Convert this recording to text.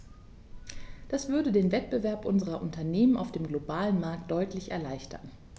Das würde den Wettbewerb unserer Unternehmen auf dem globalen Markt deutlich erleichtern.